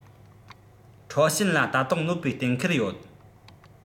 ཁྲའོ ཞན ལ ད དུང གནོད པའི གཏན འཁེལ ཡོད